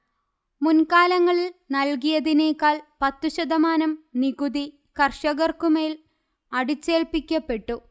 മുൻകാലങ്ങളിൽ നൽകിയതിനേക്കാൾ പത്തുശതമാനം നികുതി കർഷകർക്കുമേൽ അടിച്ചേൽപ്പിക്കപ്പെട്ടു